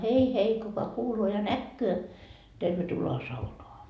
hei hei kuka kuulee ja näkee tervetuloa saunaan